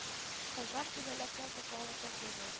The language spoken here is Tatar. Кызлар күбәләккә сокланып торды без